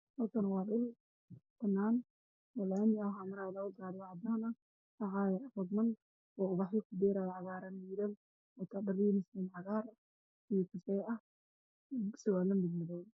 Waa meel waddo ah niman ayaa taagan oo waxay abuurayaan geeda waxay wataan ah darbe ayaa ku ya